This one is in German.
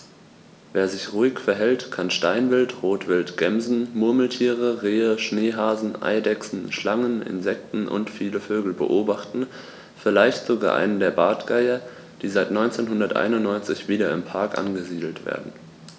Wer sich ruhig verhält, kann Steinwild, Rotwild, Gämsen, Murmeltiere, Rehe, Schneehasen, Eidechsen, Schlangen, Insekten und viele Vögel beobachten, vielleicht sogar einen der Bartgeier, die seit 1991 wieder im Park angesiedelt werden.